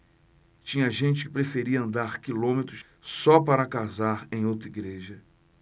tinha gente que preferia andar quilômetros só para casar em outra igreja